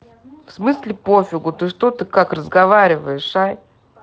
в смысле пофигу ты что ты так разговариваешь а